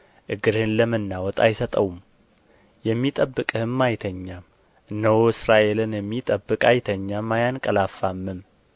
እግርህን ለመናወጥ አይሰጠውም የሚጠብቅህም አይተኛም እነሆ እስራኤልን የሚጠብቅ አይተኛም አያንቀላፋምም እግዚአብሔር ይጠብቅሃል